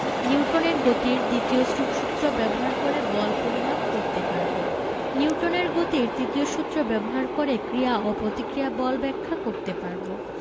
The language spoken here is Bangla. নিউটনের গতির দ্বিতীয় সূত্র ব্যবহার করে বল পরিমাপ করতে পারব নিউটনের গতির তৃতীয় সূত্র ব্যবহার করে ক্রিয়া ও প্রতিক্রিয়া বল ব্যাখ্যা করতে পারব